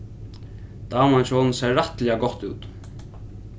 daman hjá honum sær rættiliga gott út